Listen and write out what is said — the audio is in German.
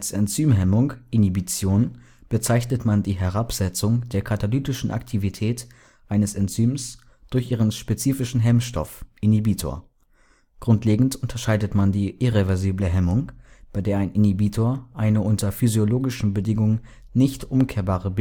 Enzymhemmung (Inhibition) bezeichnet man die Herabsetzung der katalytischen Aktivität eines Enzyms durch einen spezifischen Hemmstoff (Inhibitor). Grundlegend unterscheidet man die irreversible Hemmung, bei der ein Inhibitor eine unter physiologischen Bedingungen nicht umkehrbare